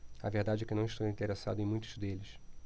a verdade é que não estou interessado em muitos deles